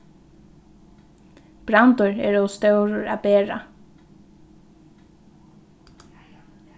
brandur er ov stórur at bera